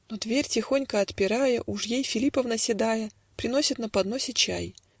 Но, дверь тихонько отпирая, Уж ей Филипьевна седая Приносит на подносе чай.